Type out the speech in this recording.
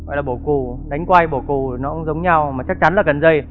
gọi là bỏ cù đánh quay bỏ cù nó cũng giống nhau mà chắc chắn là cần dây